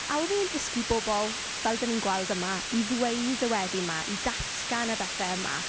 A oedd e'n dysgu bobl, fel dan ni'n gweld yma, i ddweud y weddi 'ma, i datgan y bethe yma.